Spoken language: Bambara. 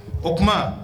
O kuma